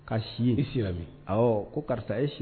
Ka si e sira min ɔ ko karisa e si sigi